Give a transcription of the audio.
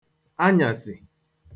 anyàsị̀